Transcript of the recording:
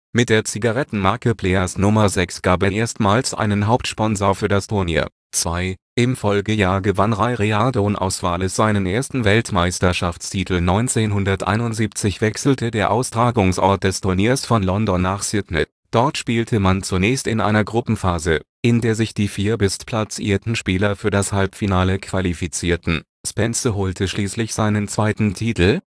Mit der Zigarettenmarke Player 's No. 6 gab es erstmals einen Hauptsponsor für das Turnier. Im Folgejahr gewann Ray Reardon aus Wales seinen ersten Weltmeisterschaftstitel. 1971 wechselte der Austragungsort des Turniers von London nach Sydney. Dort spielte man zunächst in einer Gruppenphase, in der sich die vier bestplatzierten Spieler für das Halbfinale qualifizierten. Spencer holte schließlich seinen zweiten Titel